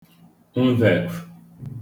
mvụ̀ efụ̄